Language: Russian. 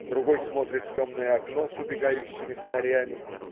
Другой смотрит в темное окно с убегающими фонарями.